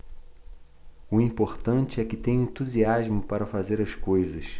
o importante é que tenho entusiasmo para fazer as coisas